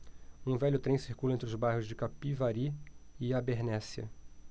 um velho trem circula entre os bairros de capivari e abernéssia